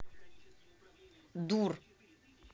дур